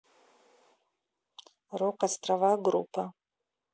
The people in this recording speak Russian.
рок острова группа